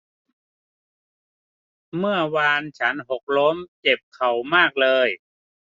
เมื่อวานฉันหกล้มเจ็บเข่ามากเลย